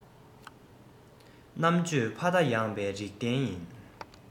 རྣམ དཔྱོད ཕ མཐའ ཡངས པའི རིག ལྡན ཡིན